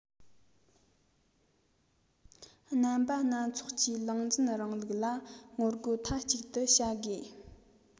རྣམ པ སྣ ཚོགས ཀྱི ལུང འཛིན རིང ལུགས ལ ངོ རྒོལ མཐའ གཅིག ཏུ བྱ དགོས